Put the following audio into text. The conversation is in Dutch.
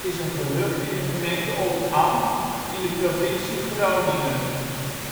is een gehucht in de gemeente Oldambt, in de provincie Groningen.